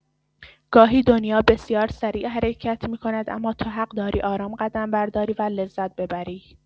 گاهی دنیا بسیار سریع حرکت می‌کند اما تو حق‌داری آرام قدم برداری و لذت ببری.